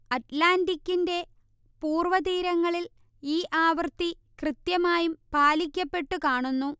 അറ്റ്ലാന്റിക്ക്കിന്റെ പൂർവതീരങ്ങളിൽ ഈ ആവൃത്തി കൃത്യമായും പാലിക്കപ്പെട്ടു കാണുന്നു